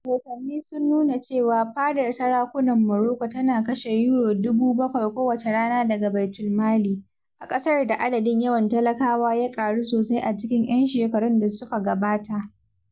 Rahotanni sun nuna cewa fadar sarakunan Morocco tana kashe Euro dubu 700 kowace rana daga baitulmali, a ƙasar da adadin yawan talakawa ya ƙaru sosai a cikin 'yan shekarun da suka gabata.